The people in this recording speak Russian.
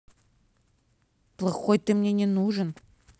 плохой ты мне не нужен